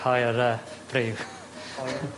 ..cae yr yy prif.